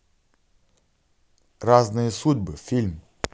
разные судьбы фильм